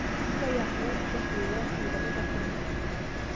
Ике аяклы, ике куллы, койрыгы да күренми.